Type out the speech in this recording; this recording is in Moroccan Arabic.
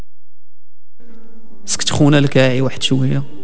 سخونه لك اي واحد شويه